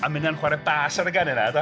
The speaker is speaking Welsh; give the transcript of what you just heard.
A minnau'n chwarae bas ar y gân yna de.